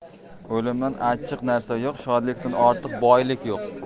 o'limdan achchiq narsa yo'q shodlikdan ortiq boylik yo'q